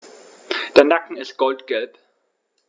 Der Nacken ist goldgelb.